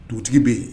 Dugutigi bɛ yen